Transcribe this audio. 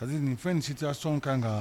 Azizi nin fɛn in situation kan ka